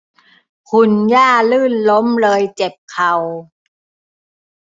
คุณย่าลื่นล้มเลยเจ็บเข่า